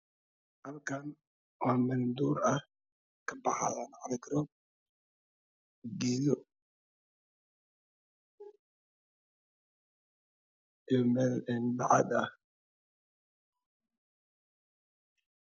Halakan waa meel duur ah kabaxayo cali garob geedo iyo meel bacaad ah